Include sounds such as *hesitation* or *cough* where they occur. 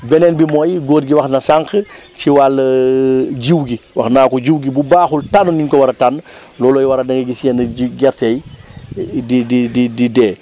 beneen bi mooy góor gi wax na sànq ci wàll *hesitation* jiw gi wax naa ko jiw gi bu baaxul tànnuñ ni ñu ko war a tànn *breath* loolooy waral da ngay gis yenn ji gerte yi di di di di dee